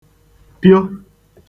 pio